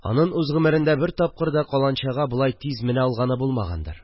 Аның үз гомерендә бер тапкыр да каланчага болай тиз менә алганы булмагандыр